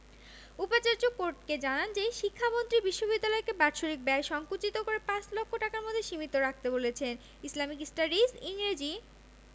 উপাচার্য কোর্টকে জানান যে শিক্ষামন্ত্রী বিশ্ববিদ্যালয়কে বাৎসরিক ব্যয় সংকুচিত করে পাঁচ লক্ষ টাকার মধ্যে সীমিত রাখতে বলেছেন ইসলামিক স্টাডিজ ইংরেজি